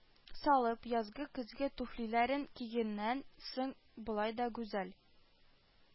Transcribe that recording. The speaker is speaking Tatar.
Салып, язгы-көзге туфлиләрен кигәннән соң, болай да гүзәл